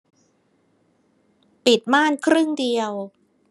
ปิดม่านครึ่งเดียว